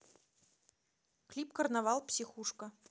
клип карнавал психушка